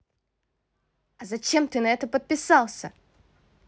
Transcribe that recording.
а зачем ты это подписался